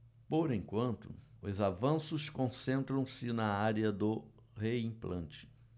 por enquanto os avanços concentram-se na área do reimplante